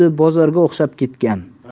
bozorga o'xshab ketgan